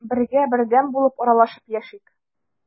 Бергә, бердәм булып аралашып яшик.